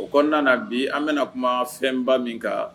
O kɔɔna na bi an bɛna kuma fɛnba min kan